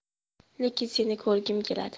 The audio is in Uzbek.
lekin seni ko'rgim keladi